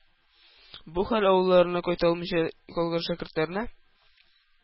Бу хәл авылларына кайта алмыйча калган шәкертләрне